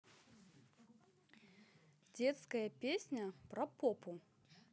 детская песня про попу